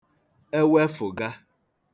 ewefụ̀ga